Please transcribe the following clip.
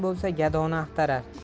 bo'lsa gadoni axtarar